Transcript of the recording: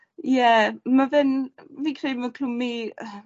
ie ma' fe'n, fi credu ma'n clymu yy